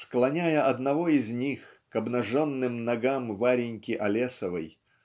склоняя одного из них к обнаженным ногам Вареньки Олесовой